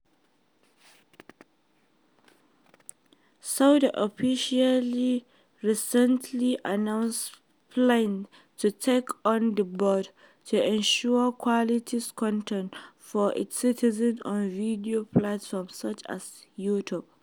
Saudi officials recently announced plans to take on the burden of ensuring “quality content” for its citizens on video platforms such as YouTube.